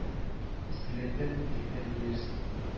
—эсселектән интеккән диярсең